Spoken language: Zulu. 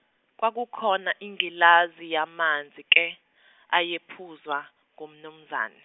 kwakukhona ingilazi yamanzi ke, ayephuzwa ngumnumzane.